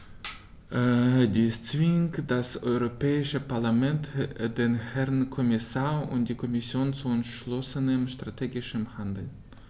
Dies zwingt das Europäische Parlament, den Herrn Kommissar und die Kommission zu entschlossenem strategischen Handeln.